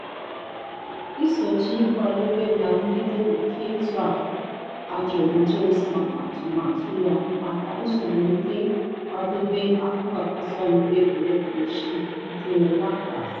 Isochi nkwadobe na mbido nke izu a, ajụrụ James maka atụmatụ ya maka usoro nke nkwadobe afọ asọmpi egwuregwu isii nke Lakers.